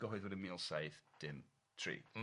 gyhoeddwyd yn mil saith dim tri... Mm...